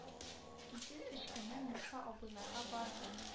Ике-өч көннән муса абыйларга бардым